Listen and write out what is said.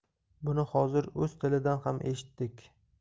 buni hozir o'z tilidan ham eshitdik